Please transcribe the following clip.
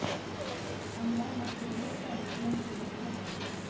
Анда матурлык та, ямьсезлек тә бар